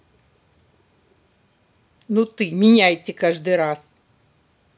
ну ты меняйте каждый раз